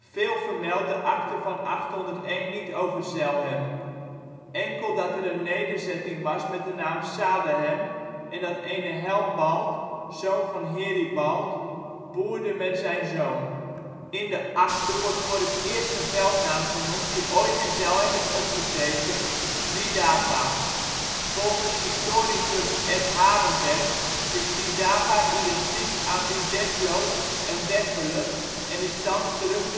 Veel vermeldt de acte van 801 niet over Zelhem. Enkel dat er een nederzetting was met de naam Salehem en dat er ene Helmbald, zoon van Heribald, boerde met zijn zoon. In de acte wordt voor het eerst een veldnaam genoemd die ooit in Zelhem is opgetekend: Widapa. Volgens historicus Ed Harenberg is Widapa identiek aan Wideplo en Weppele en is thans terug